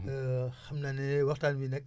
xam naa ne waxtaan wi nag